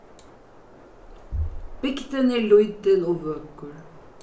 bygdin er lítil og vøkur